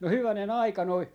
no hyvänen aika noin